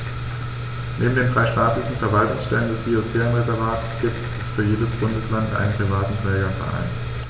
Neben den drei staatlichen Verwaltungsstellen des Biosphärenreservates gibt es für jedes Bundesland einen privaten Trägerverein.